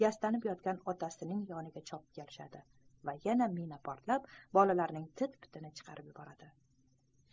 yastanib yotgan otasining yoniga chopib kelishadi va yana mina portlab bolalarning tit pitini chiqaradi